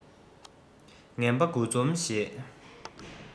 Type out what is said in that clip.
ངན པ དགུ འཛོམས ཞེས